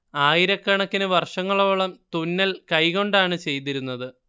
ആയിരക്കണക്കിന് വർഷങ്ങളോളം തുന്നൽ കൈകൊണ്ടാണ് ചെയ്തിരുന്നത്